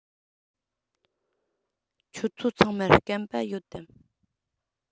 ཁྱོད ཚོ ཚང མར སྐམ པ ཡོད དམ